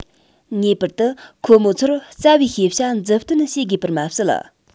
ངེས པར དུ ཁོ མོ ཚོར རྩ བའི ཤེས བྱ མཛུབ སྟོན བྱེད དགོས པར མ ཟད